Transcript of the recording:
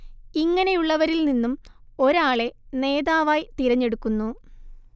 ഇങ്ങനെയുള്ളവരിൽ നിന്നും ഒരാളെ നേതാവായി തിരഞ്ഞെടുക്കുന്നു